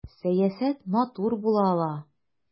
Сәясәт матур була ала!